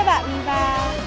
bạn